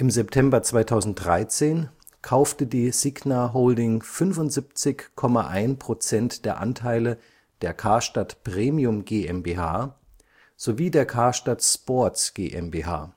September 2013 kaufte die Signa Holding 75,1 % der Anteile der Karstadt Premium GmbH sowie der Karstadt Sports GmbH